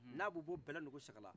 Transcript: ni a bɛ bɔ bɛlɛnugu sagala